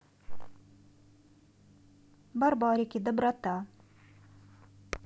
барбарики доброта